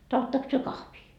tahdottekos te kahvia